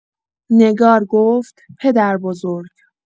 نگار گفت: «پدربزرگ!»